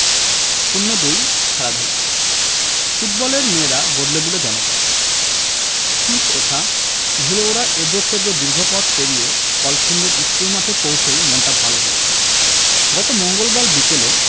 ০২ খেলাধুলা ফুটবলের মেয়েরা বদলে দিল জনপদ পিচ ওঠা ধুলো ওড়া এবড়োখেবড়ো দীর্ঘ পথ পেরিয়ে কলসিন্দুর স্কুলমাঠে পৌঁছেই মনটা ভালো হয়ে গেল গত মঙ্গলবার বিকেলে